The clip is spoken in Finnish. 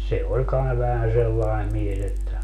se oli kai vähän sellainen mies että